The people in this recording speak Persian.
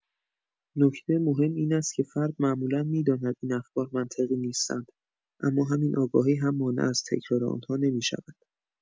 نکته مهم این است که فرد معمولا می‌داند این افکار منطقی نیستند، اما همین آگاهی هم مانع از تکرار آن‌ها نمی‌شود.